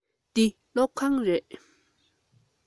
འདི སློབ ཁང རེད